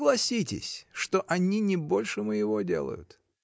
Согласитесь, что они не больше моего делают?